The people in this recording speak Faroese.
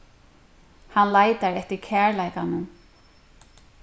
hann leitar eftir kærleikanum